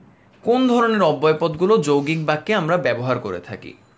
কোন ধরনের অব্যয় পদ গুলো যৌগিক বাক্যে আমরা ব্যবহার করে থাকি